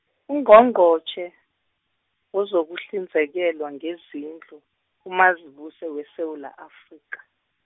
Ungqongqotjhe, wezokuhlinzekelwa ngezindlu, uMazibuse weSewula Afrika.